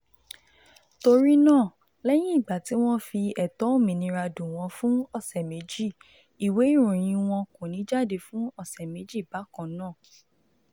Torí náà, lẹ́yìn ìgbà tí wọ́n ti fi ẹ̀tọ́ òmìnira dùn wọ́n fún ọ̀sẹ̀ méjì, ìwé ìròyìn wọn kò ní jáde fún ọ̀sẹ̀ méjì bákan náà.